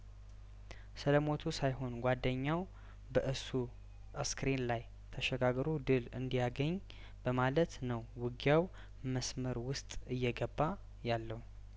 ስለሞቱ ሳይሆን ጓደኛው በእሱ አስከሬን ላይ ተሸጋግሮ ድል እንዲ ያገኝ በማ ለም ነው ውጊያው መስመር ውስጥ እየገባ ያለው